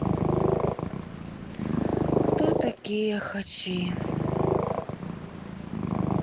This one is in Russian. кто такие хачи